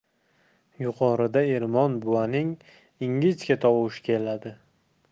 yuqorida ermon buvaning ingichka tovushi keladi